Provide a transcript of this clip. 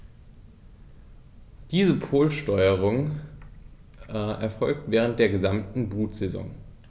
Diese Polsterung erfolgt während der gesamten Brutsaison.